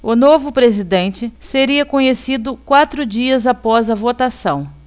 o novo presidente seria conhecido quatro dias após a votação